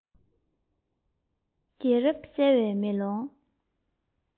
རྒྱལ རབས གསལ བའི མེ ལོང